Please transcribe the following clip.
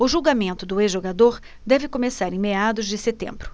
o julgamento do ex-jogador deve começar em meados de setembro